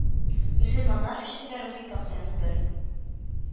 Мөселманнар өчен дә рухи пакьләнү, бер